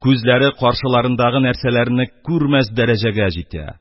Күзләре каршыларындагы нәрсәләрне күрмәс дәрәҗәгә җитә.